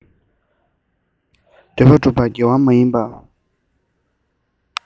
འདོད པ སྒྲུབ པ དགེ བ མ ཡིན ན